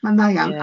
Ma'n dda iawn.